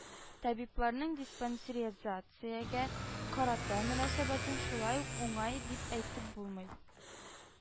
Табибларның диспансеризациягә карата мөнәсәбәтен шулай ук уңай дип әйтеп булмый